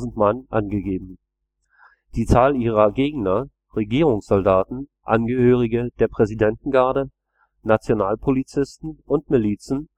Mann angegeben. Die Zahl ihrer Gegner – Regierungssoldaten, Angehörige der Präsidentengarde, Nationalpolizisten und Milizen